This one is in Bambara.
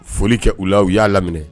Foli kɛ u la u y'a laminɛ